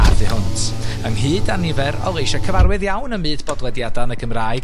a thu hwnt ynghyd â nifer o leisia' cyfarwydd iawn ym myd bodlediadau yn y Gymraeg